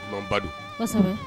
Kuma b'a do. Kosɛbɛ !